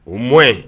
O mɔ ye